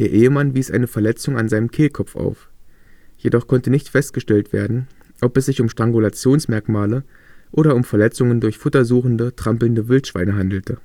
Ehemann wies eine Verletzung an seinem Kehlkopf auf. Jedoch konnte nicht festgestellt werden, ob es sich um Strangulationsmerkmale oder um Verletzungen durch futtersuchende, trampelnde Wildschweine handelte